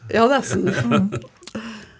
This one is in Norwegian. ja nesten.